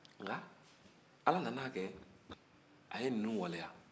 nka ala nan'a kɛ a ye ninnu waleya